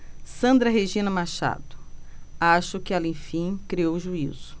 sandra regina machado acho que ela enfim criou juízo